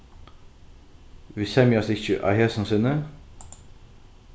vit semjast ikki á hesum sinni